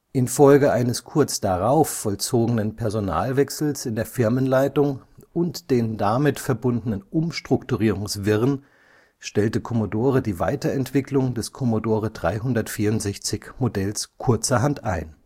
Infolge eines kurz darauf vollzogenen Personalwechsels in der Firmenleitung und den damit verbundenen Umstrukturierungswirren stellte Commodore die Weiterentwicklung des Commodore-364-Modells kurzerhand ein